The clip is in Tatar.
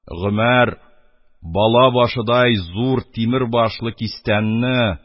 Гомәр бала башыдай зур тимер башлы кистәнне ала да,